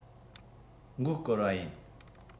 མགོ སྐོར བ ཡིན